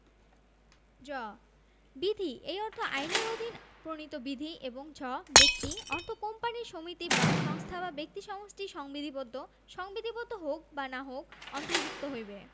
জ বিধি অর্থ এই আইনের অধীন প্রণীত বিধি এবং ঝ ব্যক্তি অর্থ কোম্পানী সমিতি বা সংস্থা বা ব্যক্তি সমষ্টি সংবিধিবদ্ধ সংবিধিবদ্ধ হউক বা না হউক অন্তর্ভুক্ত হইবে